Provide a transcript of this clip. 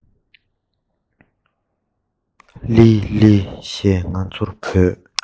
ལི ལི ཞེས ང ཚོར བོས